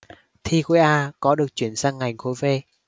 thi khối a có được chuyển sang ngành khối v